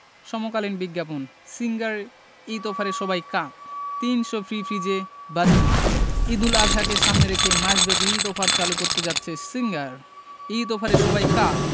সমকালীন বিজ্ঞাপন সিঙ্গার ঈদ অফারে সবাই কাত ৩০০ ফ্রি ফ্রিজে বাজিমাত ঈদুল আজহাকে সামনে রেখে মাসব্যাপী ঈদ অফার চালু করতে যাচ্ছে সিঙ্গার ঈদ অফারে সবাই কাত